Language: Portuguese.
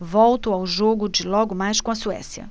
volto ao jogo de logo mais com a suécia